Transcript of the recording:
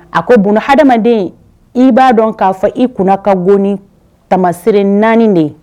A ko bo hadamadamaden i b'a dɔn k'a fɔ i kunna ka gɔni tamasire naani de ye